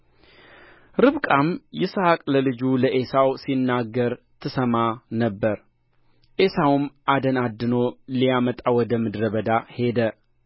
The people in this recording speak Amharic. ርብቃም ይስሐቅ ለልጁ ለዔሳው ሲነግር ትሰማ ነበር ዔሳውም አደን አድኖ ሊያመጣ ወደ ምድረ በዳ ሄደ